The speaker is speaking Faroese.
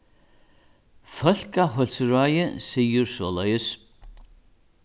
fólkaheilsuráðið sigur soleiðis